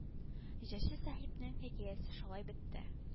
Җырчы сәхипнең хикәясе шулай бетте